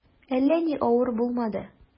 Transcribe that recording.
Әллә ни авыр булмады.